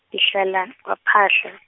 ngihlala kwaPhahla.